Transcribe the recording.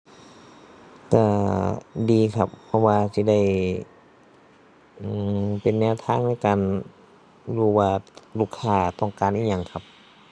ก็ดีครับ เพราะว่าสิได้ อือ เป็นแนวทางในการรู้ว่าลูกค้าต้องการอิหยังครับ